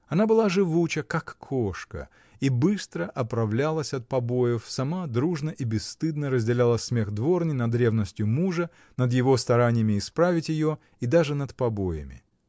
Она была живуча как кошка и быстро оправлялась от побоев, сама дружно и бесстыдно разделяла смех дворни над ревностью мужа, над его стараниями исправить ее и даже над побоями.